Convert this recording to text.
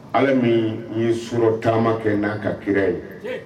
Ala min ye surɔtaama kɛ n'a ka kira ye